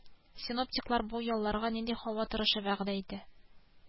Синоптиклар бу ялларга нинди һава торышы вәгъдә итә